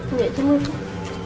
dạy chín mươi phút